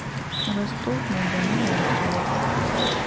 ростов на дону обзор